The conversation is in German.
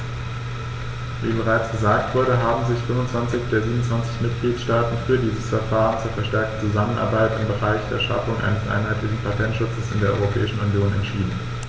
Wie bereits gesagt wurde, haben sich 25 der 27 Mitgliedstaaten für dieses Verfahren zur verstärkten Zusammenarbeit im Bereich der Schaffung eines einheitlichen Patentschutzes in der Europäischen Union entschieden.